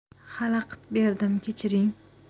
xalaqit berdim kechiring